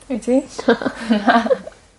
Wyt ti? Na. Na.